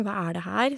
Hva er det her?